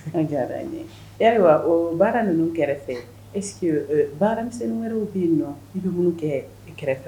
Ayiwa baara ninnu kɛrɛfɛ e baaramisɛn wɛrɛw b bɛ yen nɔn i bɛ kɛ kɛrɛfɛ